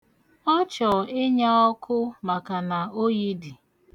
Ọ chọ ịnya ọkụ maka na oyi dị.